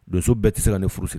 Donso bɛɛ tɛ se ka ne furu siri